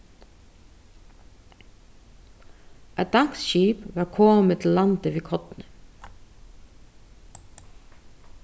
eitt danskt skip var komið til landið við korni